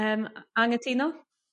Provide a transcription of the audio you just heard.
yym a- anghytuno?